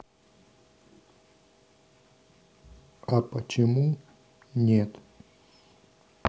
а почему нет